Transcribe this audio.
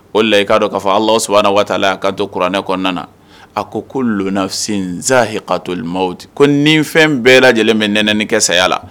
O de la i ka dɔn ka fɔ Alahu subahana watala y'a kanto kuranɛ kɔnɔna na, ko ni fɛn bɛɛ lajɛlen bɛ nɛnɛli kɛ saya la